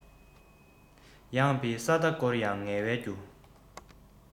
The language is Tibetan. ཡངས པའི ས མཐའ བསྐོར ཡང ངལ བའི རྒྱུ